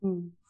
Hmm.